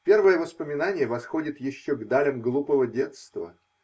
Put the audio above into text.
Первое воспоминание восходит еще к далям глупого детства.